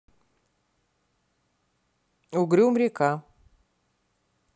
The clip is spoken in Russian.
угрюм река